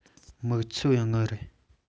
མིག ཆུ བའི དངུལ རེད